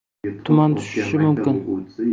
tuman tushishi mumkin